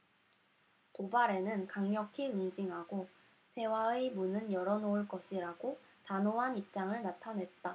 도발에는 강력히 응징하고 대화의 문은 열어 놓을 것이라고 단호한 입장을 나타냈다